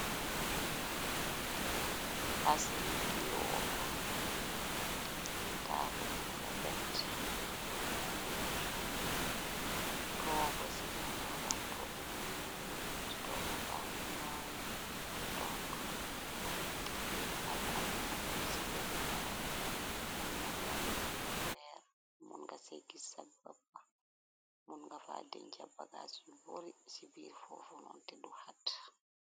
Palaasi ligéeyu wokaay taabul bu rafet mongi amee toogu ci ganawam toogu bu nuul toogu ba ngi nooy pur tokk ay almor munci ganawam almor ya ngi andakweer mun nga segis sa bappa mun nga fa deñg cxa bagaas su boori ci biir foofunonu te du xat.